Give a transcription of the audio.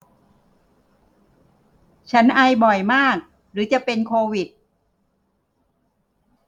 ฉันไอบ่อยมากหรือจะเป็นโควิด